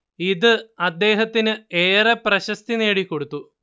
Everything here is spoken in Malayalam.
ഇത് അദ്ദേഹത്തിന് ഏറെ പ്രശസ്തി നേടിക്കൊടുത്തു